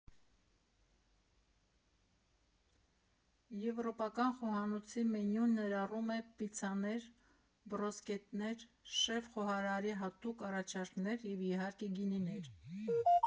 Եվրոպական խոհանոցի մենյուն ներառում է պիցցաներ, բրուսկետաներ, շեֆ֊խոհարարի հատուկ առաջարկներ և, իհարկե, գինիներ։